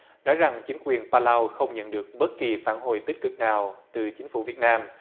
nói rằng chính quyền pa lau không nhận được bất kỳ phản hồi tích cực nào từ chính phủ việt nam